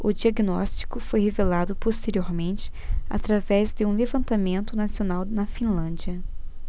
o diagnóstico foi revelado posteriormente através de um levantamento nacional na finlândia